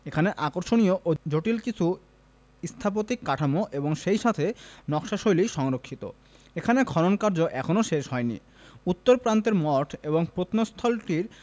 এখানে আকর্ষণীয় ও জটিল কিছু স্থাপত্যিক কাঠামো এবং সেই সাথে নকশা শৈলী সংরক্ষিত এখানে খননকার্য এখনও শেষ হয়নি উত্তর প্রান্তের মঠ এবং প্রত্নস্থলটির